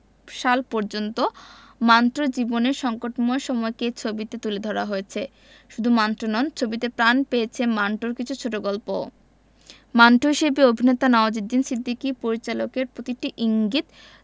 সাল পর্যন্ত মান্টোর জীবনের সংকটময় সময়কে এ ছবিতে তুলে ধরা হয়েছে শুধু মান্টো নন ছবিতে প্রাণ পেয়েছে মান্টোর কিছু ছোটগল্পও মান্টো হিসেবে অভিনেতা নওয়াজুদ্দিন সিদ্দিকী পরিচালকের প্রতিটি ইঙ্গিত